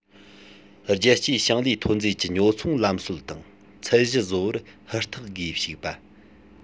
རྒྱལ སྤྱིའི ཞིང ལས ཐོན རྫས ཀྱི ཉོ འཚོང ལམ སྲོལ དང ཚད གཞི བཟོ བར ཧུར ཐག སྒོས ཞུགས པ